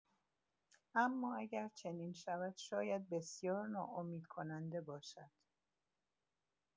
اما اگر چنین شود، شاید بسیار ناامیدکننده باشد.